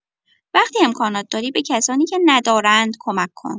وقتی امکانات داری، به کسانی که ندارند کمک کن.